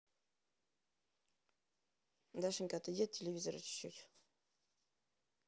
дашенька отойди от телевизора чуть чуть